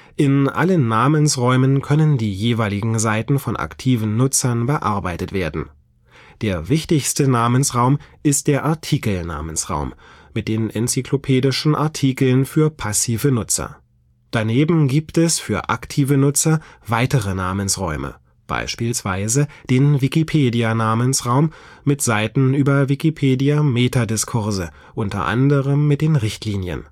In allen Namensräumen können die jeweiligen Seiten von aktiven Nutzern bearbeitet werden. Der wichtigste Namensraum ist der Artikelnamensraum mit den enzyklopädischen Artikeln für passive Nutzer. Daneben gibt es, für aktive Nutzer, weitere Namensräume. Beispielsweise den Wikipedianamensraum mit Seiten über Wikipediametadiskurse, unter anderem mit den Richtlinien